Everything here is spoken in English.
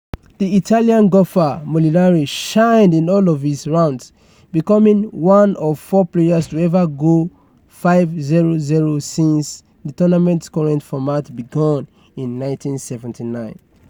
The Italian golfer Molinari shined in all of his rounds, becoming 1-of-4 players to ever go 5-0-0 since the tournament's current format begun in 1979.